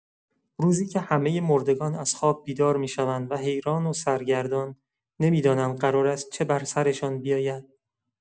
روزی که همه مردگان از خواب بیدار می‌شوند و حیران و سرگردان نمی‌دانند قرار است چه بر سرشان بیاید.